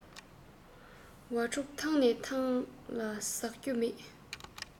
ཝ ཕྲུག ཐང ནས ཐང ལ ཟག རྒྱུ མེད